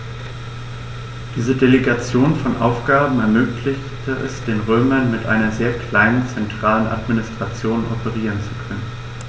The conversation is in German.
Diese Delegation von Aufgaben ermöglichte es den Römern, mit einer sehr kleinen zentralen Administration operieren zu können.